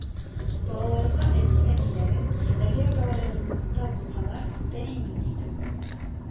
Балаларга әти-әниләрен, әгәр дә алар ярлылыкта булсалар, тәэмин итү